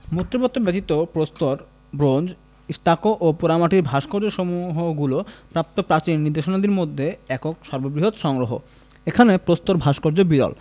মৃৎপাত্র ব্যতীত প্রস্তর bronze stucco ও পোড়ামাটির ভাস্কর্যসমূহ হলো প্রাপ্ত প্রাচীন নিদর্শনাদির মধ্যে একক সর্ববৃহৎ সংগ্রহ এখানে প্রস্তর ভাস্কর্য বিরল